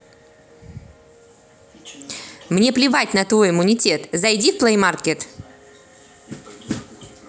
мне плевать на твой иммунитет зайди в плеймаркет